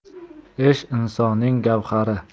ish insonning gavhari